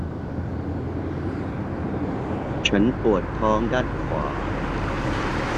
ฉันปวดท้องด้านขวา